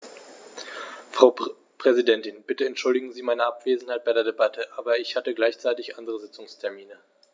Frau Präsidentin, bitte entschuldigen Sie meine Abwesenheit bei der Debatte, aber ich hatte gleichzeitig andere Sitzungstermine.